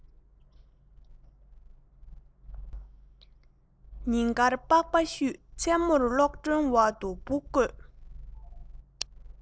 ཉིན དཀར པགས པ བཤུས མཚན མོར གློག སྒྲོན འོག ཏུ འབུ བརྐོས